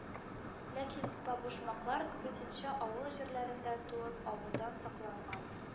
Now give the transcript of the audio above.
Ләкин табышмаклар, күбесенчә, авыл җирләрендә туып, авылда сакланган